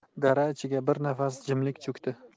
dara ichiga bir nafas jimlik cho'kdi